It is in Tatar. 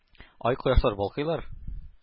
Ай, кояшлар балкыйлар?